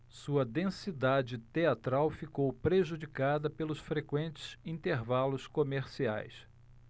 sua densidade teatral ficou prejudicada pelos frequentes intervalos comerciais